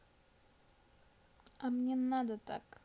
а не мне надо так